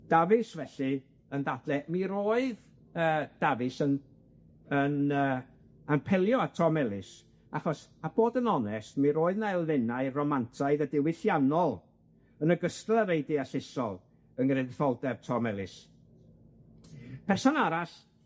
Davis felly yn dadle mi roedd yy Davis yn yn yy yn pelio at Tom Ellis, achos a bod yn onest, mi roedd yna elfennau romantaidd a diwylliannol yn ogystal â rei deallusol yng ngenedlaetholdeb Tom Ellis. Person arall